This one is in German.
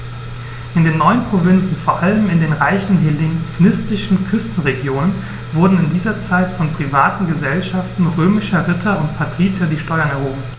In den neuen Provinzen, vor allem in den reichen hellenistischen Küstenregionen, wurden in dieser Zeit von privaten „Gesellschaften“ römischer Ritter und Patrizier die Steuern erhoben.